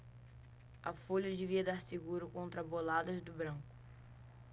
a folha devia dar seguro contra boladas do branco